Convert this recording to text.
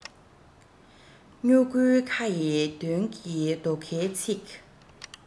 སྨྱུ གུའི ཁ ཡི དོན གྱི རྡོ ཁའི ཚིག